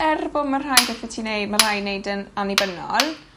er bo' 'na rhai bethe ti neu' ma' rhai' neud yn annibynnol